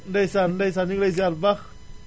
ndeysaan ndeysaan ñu ngi lay ziar bu baax